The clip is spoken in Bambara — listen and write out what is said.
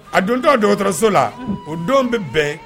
A don tɔ dɔgɔtɔrɔso la, o don bɛ bɛn